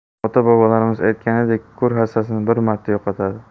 ota bobolarimiz aytganidek ko'r hassasini bir marta yo'qotadi